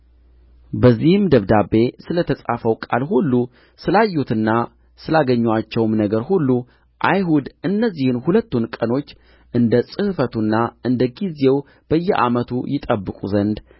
በዚህም ደብዳቤ ስለ ተጻፈው ቃል ሁሉ ስላዩትና ስላገኙአቸውም ነገር ሁሉ አይሁድ እነዚህን ሁለት ቀኖች እንደ ጽሕፈቱና እንደ ጊዜው በየዓመቱ ይጠብቁ ዘንድ